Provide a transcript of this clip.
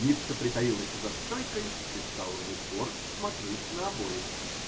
Ницца притаилась за стойкой и стала в упор смотреть на обоих.